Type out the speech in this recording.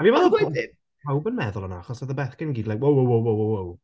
A fi'n meddwl bod yy e- pawb yn meddwl 'na achos oedd y bechgyn i gyd like "wow wow wow wow".